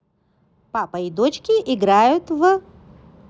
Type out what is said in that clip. папа и дочки играют в